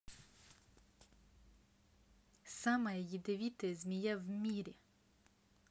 самая ядовитая змея в мире